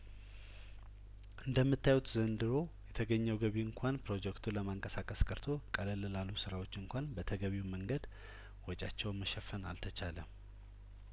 እንደምታ ዩት ዘንድሮ የተገኘው ገቢ እንኳን ፕሮጀክቱን ለማንቀሳቀስ ቀርቶ ቀለል ላሉ ስራዎች እንኳን በተገቢው መንገድ ወጪያቸውን መሸፈን አልተቻለም